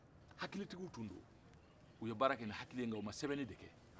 hakilitigiw tun do o ye baara kɛ ni hakili ye mɛ u man sɛbɛnni de kɛ